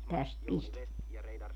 tästä pistetään